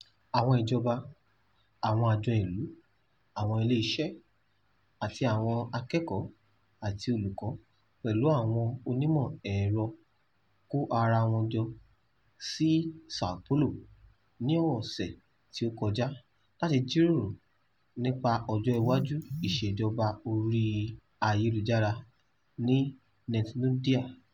Àwọn ìjọba, àwọn àjọ ìlú, àwọn ilé iṣẹ́, àti àwọn akẹ́kọ̀ọ́ àti olùkọ́ pẹ̀lú àwọn onímọ̀ ẹ̀rọ kó ara wọn jọ ní Sao Paulo ní ọ̀sẹ̀ tí ó kọjá láti jíròrò nípa ọjọ́ iwájú ìṣèjọba orí ayélujára ní NETmundial.